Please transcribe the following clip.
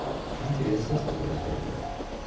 интересно с тобой разговаривать